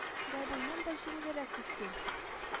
Гармуннан да җиңелрәк бит син